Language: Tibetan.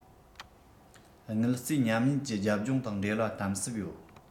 དངུལ རྩའི ཉམས ཉེན གྱི རྒྱབ ལྗོངས དང འབྲེལ བ དམ ཟབ ཡོད